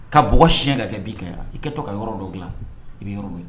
Ka bɔgɔ siɲɛ ka kɛ bin kan yan . I kɛ to ka yɔrɔ dɔ dilan i bi yɔrɔ dɔ